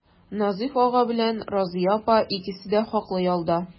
Назыйф ага белән Разыя апа икесе дә хаклы ялда.